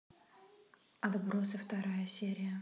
отбросы вторая серия